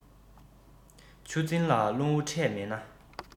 ཆུ འཛིན ལ རླུང བུ འཕྲད མེད ན